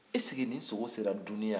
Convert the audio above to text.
est-ce que nin sogo sera dun ye wa